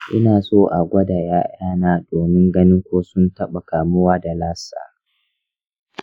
ina so a gwada ‘ya’yana don ganin ko sun taɓa kamuwa da lassa.